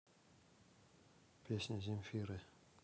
песня земфиры